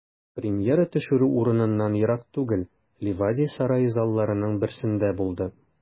Премьера төшерү урыныннан ерак түгел, Ливадия сарае залларының берсендә булды.